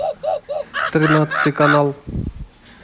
тринадцатый канал